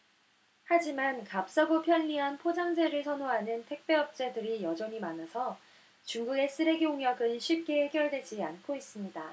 하지만 값싸고 편리한 포장재를 선호하는 택배업체들이 여전히 많아서 중국의 쓰레기 홍역은 쉽게 해결되지 않고 있습니다